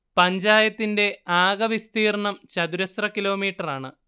പഞ്ചായത്തിന്റെ ആക വിസ്തീർണം ചതുരശ്ര കിലോമീറ്ററാണ്